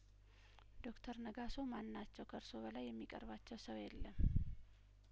ዶክተር ነጋሶ ማን ናቸው ከእርስዎ በላይ የሚቀርባቸው ሰው የለም